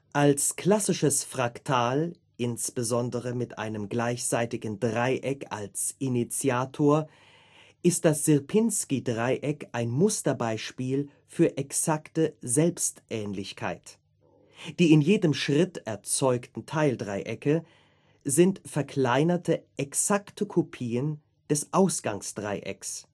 Als klassisches Fraktal, insbesondere mit einem gleichseitigen Dreieck als Initiator, ist das Sierpinski-Dreieck ein Musterbeispiel für exakte Selbstähnlichkeit: Die in jedem Schritt erzeugten Teildreiecke sind verkleinerte exakte Kopien des Ausgangsdreiecks